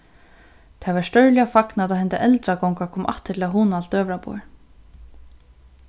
tað varð stórliga fagnað tá henda eldragonga kom aftur til eitt hugnaligt døgurðaborð